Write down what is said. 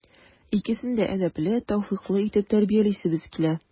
Икесен дә әдәпле, тәүфыйклы итеп тәрбиялисебез килә.